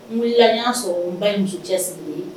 N wulila y'a sɔrɔ n ba in nci cɛ sigilen ye